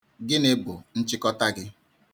Gịnị bụ nchịkọta gị?